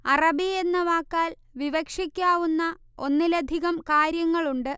അറബി എന്ന വാക്കാൽ വിവക്ഷിക്കാവുന്ന ഒന്നിലധികം കാര്യങ്ങളുണ്ട്